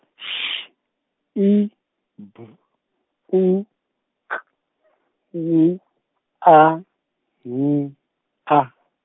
X I B U K W A N A.